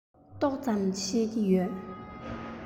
ཏོག ཙམ ཤེས ཀྱི ཡོད